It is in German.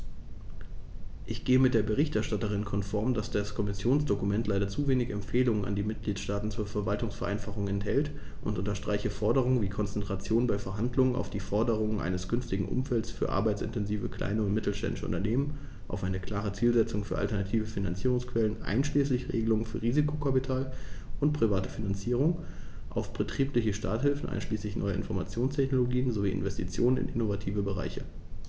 Ich gehe mit der Berichterstatterin konform, dass das Kommissionsdokument leider zu wenig Empfehlungen an die Mitgliedstaaten zur Verwaltungsvereinfachung enthält, und unterstreiche Forderungen wie Konzentration bei Verhandlungen auf die Förderung eines günstigen Umfeldes für arbeitsintensive kleine und mittelständische Unternehmen, auf eine klare Zielsetzung für alternative Finanzierungsquellen einschließlich Regelungen für Risikokapital und private Finanzierung, auf betriebliche Starthilfen einschließlich neuer Informationstechnologien sowie Investitionen in innovativen Bereichen.